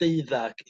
deuddag